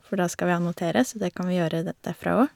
For da skal vi annotere, så det kan vi gjøre de derfra óg.